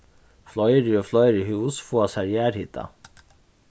fleiri og fleiri hús fáa sær jarðhita